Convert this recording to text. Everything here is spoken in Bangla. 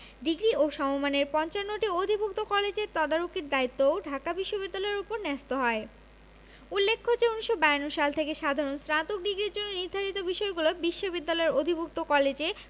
ডিগ্রি ও সমমানের ৫৫টি অধিভুক্ত কলেজের তদারকির দায়িত্বও ঢাকা বিশ্ববিদ্যালয়ের ওপর ন্যস্ত হয় উল্লেখ্য যে ১৯৫২ সাল থেকে সাধারণ স্নাতক ডিগ্রির জন্য নির্ধারিত বিষয়গুলো বিশ্ববিদ্যালয়ের অধিভুক্ত কলেজে